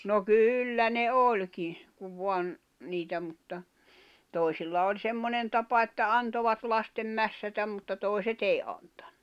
no kyllä ne olikin kun vain niitä mutta toisilla oli semmoinen tapa että antoivat lasten mässätä mutta toiset ei antanut